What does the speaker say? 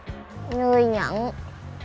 người nhận